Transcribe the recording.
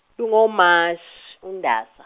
ngo- March uNdasa.